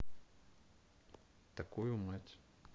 такую мать